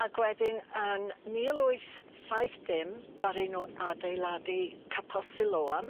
Ag wedyn yn mil wyth saith dim ddaru nw adeiladu capal Siloam.